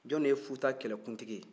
jɔn de ye futa kɛlɛkuntigi ye